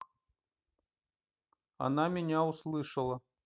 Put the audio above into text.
она меня услышала